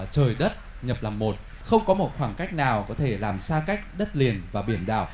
trời đất nhập làm một không có một khoảng cách nào có thể làm xa cách đất liền và biển đảo